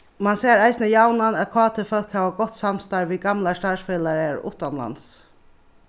mann sær eisini javnan at kt-fólk hava gott samstarv við gamlar starvsfelagar uttanlands